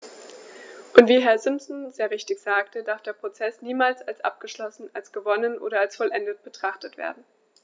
Und wie Herr Simpson sehr richtig sagte, darf der Prozess niemals als abgeschlossen, als gewonnen oder als vollendet betrachtet werden.